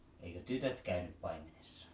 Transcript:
eikö tytöt käynyt paimenessa